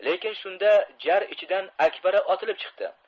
lekin shunda jar ichidan akbara otilib chiqdi